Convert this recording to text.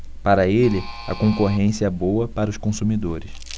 para ele a concorrência é boa para os consumidores